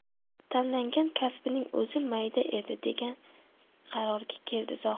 tanlagan kasbining o'zi mayda edi degan qarorga keldi zohid